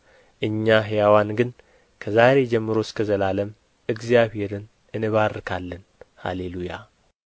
እኛ ሕያዋን ግን ከዛሬ ጀምሮ እስከ ዘላለም እግዚአብሔርን እንባርካለን ሃሌ ሉያ